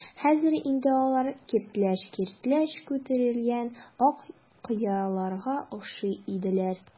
Хәзер инде алар киртләч-киртләч күтәрелгән ак кыяларга охшый иделәр.